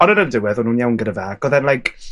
Ond yn yr diwedd o'n nw'n iawn gyda fe ac odd e'n like